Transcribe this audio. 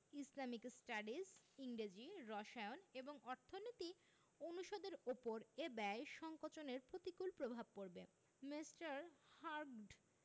Islamic studies ইংরেজি রসায়ন এবং অর্থনীতি অনুষদের ওপর এ ব্যয় সংকোচনের প্রতিকূল প্রভাব পড়বে মি. হার্টগড